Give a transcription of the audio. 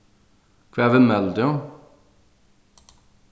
hvat viðmælir tú